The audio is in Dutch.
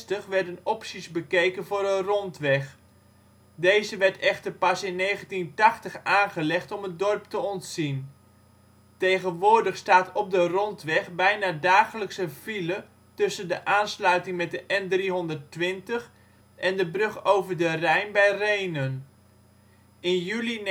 1960 werden opties bekeken voor een rondweg, deze werd echter pas in 1980 aangelegd om het dorp te ontzien. Tegenwoordig staat op de rondweg bijna dagelijks een file tussen de aansluiting met de N320 en de brug over de Rijn bij Rhenen. In juli